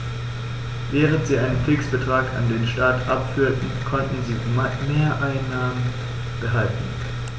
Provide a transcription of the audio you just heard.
Während sie einen Fixbetrag an den Staat abführten, konnten sie Mehreinnahmen behalten.